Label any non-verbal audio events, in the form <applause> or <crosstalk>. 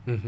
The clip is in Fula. <hesitation> <hesitation>